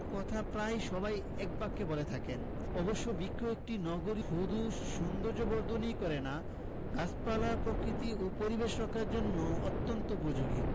কথা প্রায় সবাই একবাক্যে বলে থাকেন অবশ্য বৃক্ষ একটি নগরীর শুধু সৌন্দর্যবর্ধনই করে না গাছপালা প্রকৃতি ও পরিবেশ রক্ষার জন্যও অত্যন্ত উপযোগী